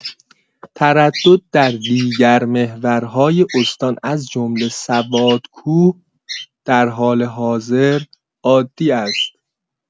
تردد در دیگر محورهای استان از جمله سوادکوه در حال حاضر عادی است.